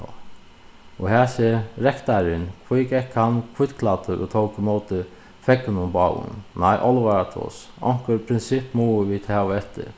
og hasi rektarin hví gekk hann hvítklæddur og tók ímóti feðgunum báðum nei álvaratos onkur prinsipp mugu vit hava eftir